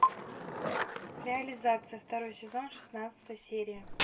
реализация второй сезон шестнадцатая серия